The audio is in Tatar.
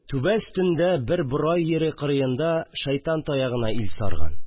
Үбә өстендә, бер борай җире кырында, шайтан таягына ил сарган